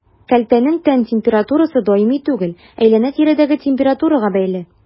Кәлтәнең тән температурасы даими түгел, әйләнә-тирәдәге температурага бәйле.